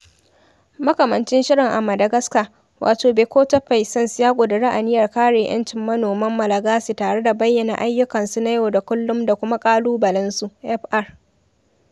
Makamancin shirin a Madagascar, wato Bekoto Paysans ya ƙudiri aniyar kare 'yancin manoman Malagasy tare da bayyana ayyukansu na yau da kulluma da kuma ƙalubalensu (fr).